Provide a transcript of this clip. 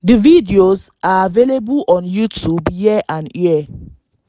The videos are available on YouTube here and here.